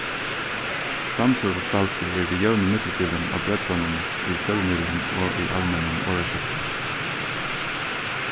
framsøgufrælsið er við jøvnum millumbilum á breddanum í fjølmiðlum og í almennum orðaskifti